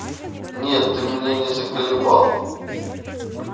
нет ты меня не заколебал